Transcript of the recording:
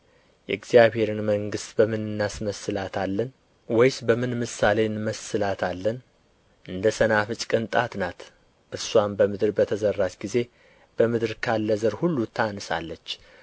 የእግዚአብሔርን መንግሥት በምን እናስመስላታለን ወይስ በምን ምሳሌ እንመስላታለን እንደ ሰናፍጭ ቅንጣት ናት እርስዋም በምድር በተዘራች ጊዜ በምድር ካለ ዘር ሁሉ ታንሳለች